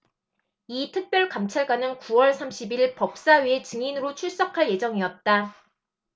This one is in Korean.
이 특별감찰관은 구 월 삼십 일 법사위에 증인으로 출석할 예정이었다